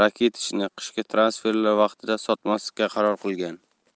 rakitichni qishki transferlar vaqtida sotmaslikka qaror qilgan